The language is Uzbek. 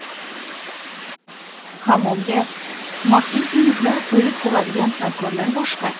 hammomga maxfiy tuynuklar qo'yib quradigan sarkorlar boshqa